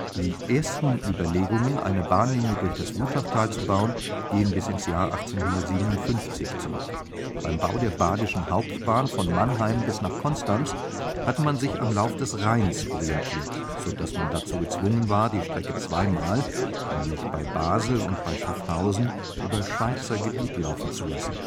Die ersten Überlegungen, eine Bahnlinie durch das Wutachtal zu bauen, gehen bis ins Jahr 1857 zurück. Beim Bau der Badischen Hauptbahn von Mannheim bis nach Konstanz hatte man sich am Lauf des Rheins orientiert, so dass man dazu gezwungen war, die Strecke zweimal, nämlich bei Basel und bei Schaffhausen, über Schweizer Gebiet laufen zu lassen